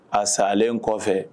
A salen kɔfɛ